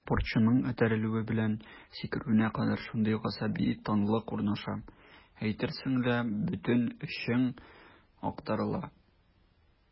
Спортчының этәрелүе белән сикерүенә кадәр шундый гасаби тынлык урнаша, әйтерсең лә бөтен эчең актарыла.